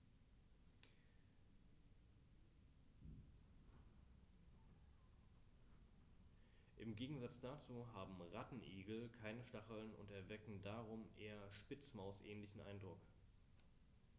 Im Gegensatz dazu haben Rattenigel keine Stacheln und erwecken darum einen eher Spitzmaus-ähnlichen Eindruck.